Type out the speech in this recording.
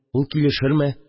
Ул килешерме